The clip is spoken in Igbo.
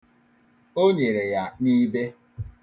O nyere ya n'ibe.